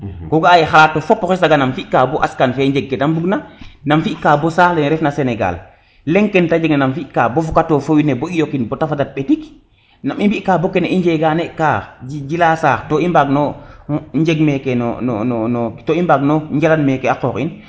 ko ga aye xalisof oxey saga nam fi ka bo askan fe njeg kede mbug na nam fika bo saax lene ref na senegal leng ke te jeg na nam fi ka bo fokator fo wiin we bo i yokin bata fadat ɓetik nam i mbika bo kene i njegane ka jilasa to i mbaag no njegmeke no no to mbag no njalal meke a qox in